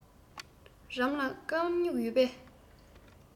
རང ལ སྐམ སྨྱུག ཡོད པས